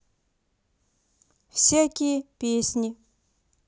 всякие песни